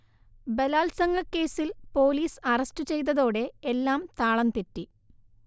ബലാത്സംഗക്കേസിൽ police arrest ചെയ്തതോടെ എ്ല്ലാം താളം തെറ്റി